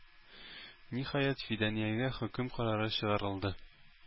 Ниһаять, Фиданиягә хөкем карары чыгарылды.